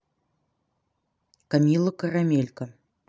камилла карамелька